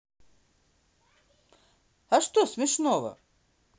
а что смешного